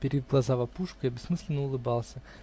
Вперив глаза в опушку, я бессмысленно улыбался